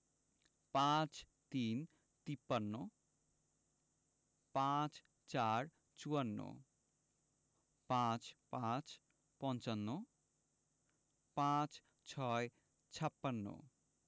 ৫৩ - তিপ্পান্ন ৫৪ - চুয়ান্ন ৫৫ – পঞ্চান্ন ৫৬ – ছাপ্পান্ন